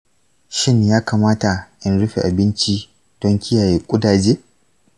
shin ya kamata in rufe abinci don kiyaye ƙudaje?